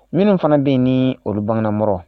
Minnu fana bɛ yen ni olubangɔrɔ